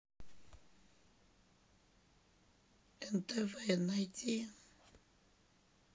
нтв найди